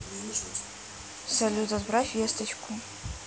салют отправь весточку